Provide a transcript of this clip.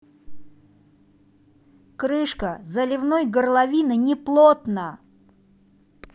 крышка заливной горловины не плотно